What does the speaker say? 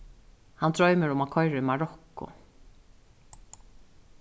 hann droymir um at koyra í marokko